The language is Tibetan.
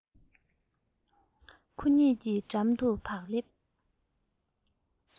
ཁོ གཉིས ཀྱི འགྲམ དུ བག ལེབ